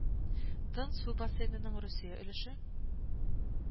Тын су бассейнының Русия өлеше